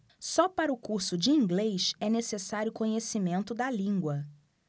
só para o curso de inglês é necessário conhecimento da língua